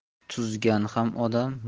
tuzgan ham odam